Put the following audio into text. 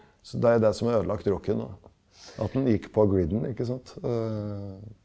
så det er det som har ødelagt rocken nå, at den gikk på griden ikke sant .